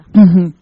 Unhun